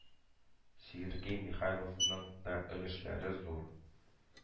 Сергей Михайловның да өлешләре зур.